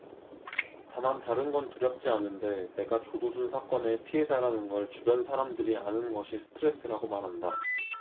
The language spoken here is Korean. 다만 다른 건 두렵지 않은데 내가 조두순 사건의 피해자라는 걸 주변 사람들이 아는 것이 스트레스라고 말한다